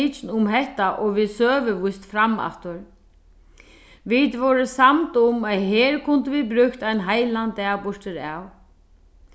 tikin um hetta og við søgu víst fram aftur vit vóru samd um at her kundu vit brúkt ein heilan dag burturav